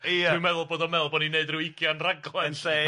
Ia! ...dwi'n meddwl bod o'n me'wl bod ni'n neud ryw ugian raglen... Yn lle